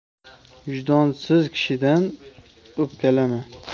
vijdonsiz kishidan o'pkalama